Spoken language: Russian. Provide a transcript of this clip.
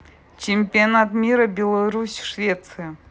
чемпионат мира беларусь швеция